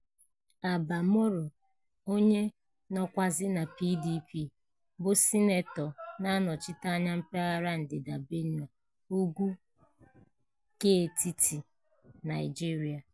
Abba Moro, onye nọkwazị na PDP, bụ sinetọ na-anọchite anya mpaghara Ndịda Benue, ugwu keetiti Naịjirịa.